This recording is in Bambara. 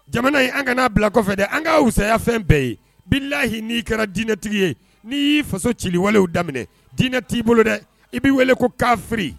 Jamana in an ka na bila kɔfɛ dɛ ,an ka fisaya fɛn bɛɛ ye. Bilahi ni kɛra diinɛtigi ye ni yi faso ciliwalew daminɛ dinɛ ti bolo dɛ i bi wele ko kafiri.